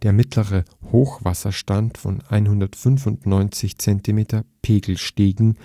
mittlere Hochwasserstand von 195 cm (Pegel Stegen